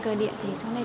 bị